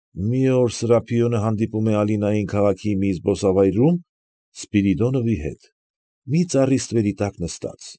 Մի օր Սրափիոնը հանդիպում է Ալինային քաղաքի մի զբոսավայրում Սպիրիդոնովի հետ, մի ծառի ստվերի տակ նստած։